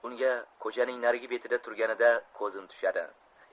unga ko'chaning narigi betida xurganida ko'zim tushadi